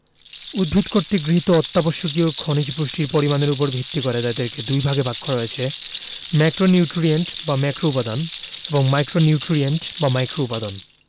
উদ্ভিদ কর্তৃক গৃহীত অত্যাবশ্যকীয় খনিজ পুষ্টির পরিমাণের উপর ভিত্তি করে এদেরকে দুইভাগে ভাগ করা হয়েছে ম্যাক্রোনিউট্রিয়েন্ট বা ম্যাক্রোউপাদান এবং মাইক্রোনিউট্রিয়েন্ট বা মাইক্রোউপাদান